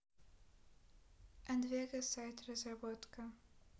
адвего сайт заработка